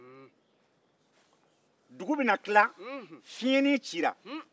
dugu bɛ na tila fiɲɛnin cira